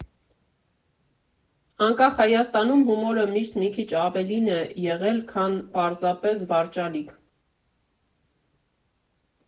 Անկախ Հայաստանում հումորը միշտ մի քիչ ավելին է եղել, քան պարզապես զվարճալիք։